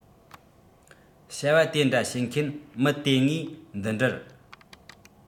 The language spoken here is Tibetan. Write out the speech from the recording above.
བྱ བ དེ འདྲ བྱེད མཁན མི དེ ངེས འདུ འདྲིལ